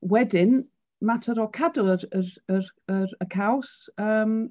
Wedyn mater o cadw yr yr yr yr y caws, yym...